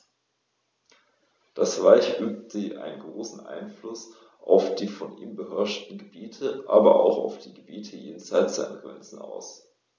Das Reich übte einen großen Einfluss auf die von ihm beherrschten Gebiete, aber auch auf die Gebiete jenseits seiner Grenzen aus.